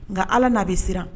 Nka ala n'a bɛ siran